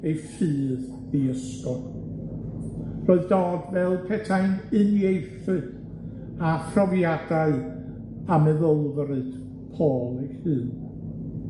ei ffydd ddi-ysgod, roedd Dodd fel petai'n uniaethu â phrofiadau a meddylfryd Paul ei hun.